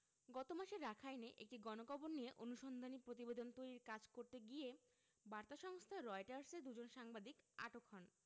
গত মাসে রাখাইনে একটি গণকবর নিয়ে অনুসন্ধানী প্রতিবেদন তৈরির কাজ করতে গিয়ে বার্তা সংস্থা রয়টার্সের দুজন সাংবাদিক আটক হন